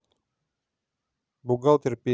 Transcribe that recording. бухгалтер песня